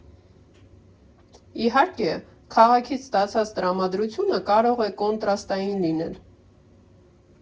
Իհարկե, քաղաքից ստացած տրամադրությունը կարող է կոնտրաստային լինել.